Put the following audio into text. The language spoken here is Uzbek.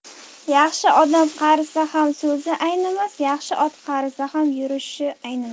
yaxshi odam qarisa ham so'zi aynimas yaxshi ot qarisa ham yurishi aynimas